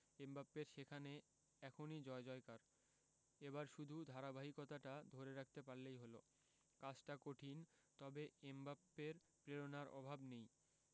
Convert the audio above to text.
এমবাপ্পের সেখানে এখনই জয়জয়কার এবার শুধু ধারাবাহিকতাটা ধরে রাখতে পারলেই হলো কাজটা কঠিন তবে এমবাপ্পের প্রেরণার অভাব নেই